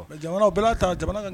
Jamana bɛna ka jamana